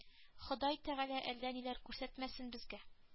Ходай тәгалә әллә ниләр күрсәтмәсен безгә